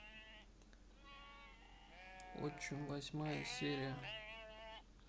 отчим восьмая серия